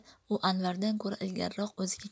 u anvardan ko'ra ilgariroq o'ziga keldi